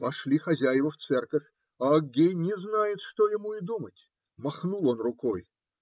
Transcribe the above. Пошли хозяева в церковь, а Аггей не знает, что ему и думать. Махнул он рукой.